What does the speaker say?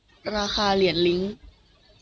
ราคาเหรียญลิ้ง